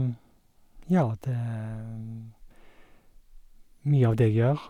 Ja, det er mye av det jeg gjør.